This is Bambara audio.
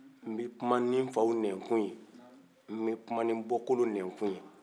n be kuma ni n faw nɛn kun ye naamu n be kuma ni bɔ kolo nɛ kun ye